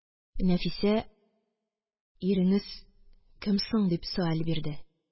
Нәфисә: – Иреңез кем соң? – дип сөаль бирде.